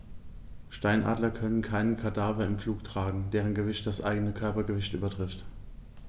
Steinadler können keine Kadaver im Flug tragen, deren Gewicht das eigene Körpergewicht übertrifft.